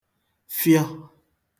fịọ